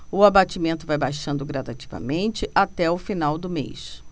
o abatimento vai baixando gradativamente até o final do mês